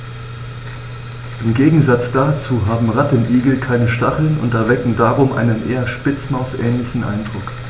Im Gegensatz dazu haben Rattenigel keine Stacheln und erwecken darum einen eher Spitzmaus-ähnlichen Eindruck.